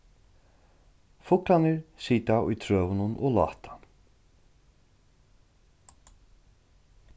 fuglarnir sita í trøunum og láta